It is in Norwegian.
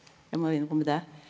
eg må innrømme det.